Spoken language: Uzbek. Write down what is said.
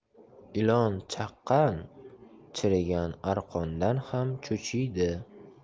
ilon chaqqan chirigan arqondan ham cho'chiydi